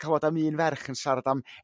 clywad am un ferch yn siarad am